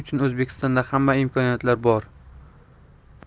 uchun o'zbekistonda hamma imkoniyatlar bor